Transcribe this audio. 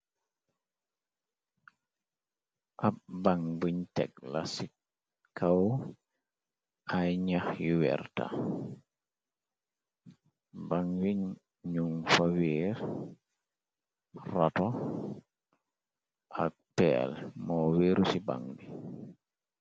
Ab bang biñ teg la ci kaw ay ñax yu werta bang wi num fa wéer rato ak peel moo wéeru ci bang bi.